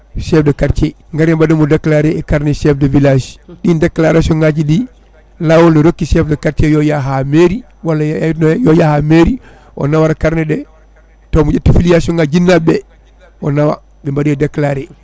chef de quartier gaare mbaɗoyenmo déclaré e carnet chef de village ɗin déclaration ngaji ɗi laawol ne rokki chef de quartier yo ya ha mairie walla yo yaa ha mairie o nawora carnet ɗe taw mo ƴettei filiation ngaji jinnaɓeɓe o nawa ɓe mbaɗoye déclaré